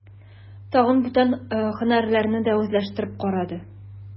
Тагын бүтән һөнәрләрне дә үзләштереп карады.